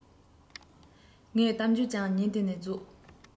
ངའི གཏམ རྒྱུད ཀྱང ཉིན དེ ནས རྫོགས